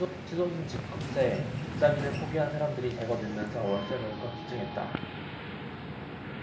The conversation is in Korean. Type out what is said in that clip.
치솟은 집값에 집사기를 포기한 사람들이 대거 늘면서 월세 가구가 급증했다